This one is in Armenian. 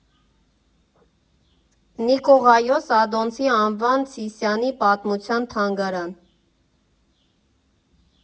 Նիկողայոս Ադոնցի անվան Սիսիանի պատմության թանգարան։